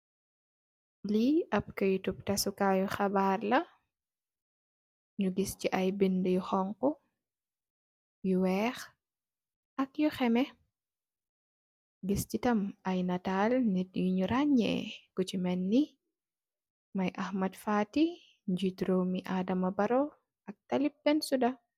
Lee ab keyetu tassu kaye hebaar la nu gisse aye bedeh yu hauhu , yu weehe ak yu heme gisse tam aye natale neet yunu ranch kuse melne Mai Ahmed Fatty , jeete reewme Adama Barrow ak talib Bensuda.